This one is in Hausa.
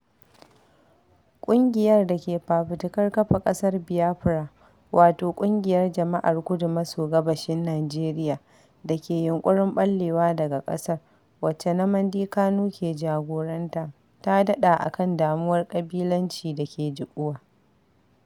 ƙungiyar da ke Fafutukar Kafa ƙasar Biafra, wato ƙungiyar jama'ar kudu maso gabashin Nijeriya da ke yunƙurin ɓallewa daga ƙasar, wacce Nnamdi Kanu ke jagoranta, ta daɗa a kan damuwar ƙabilanci da ke jiƙuwa.